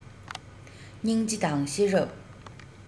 སྙིང རྗེ དང ཤེས རབ